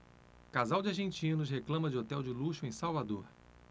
casal de argentinos reclama de hotel de luxo em salvador